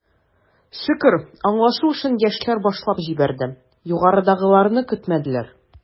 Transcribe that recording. Шөкер, аңлашу эшен, яшьләр башлап җибәрде, югарыдагыларны көтмәделәр.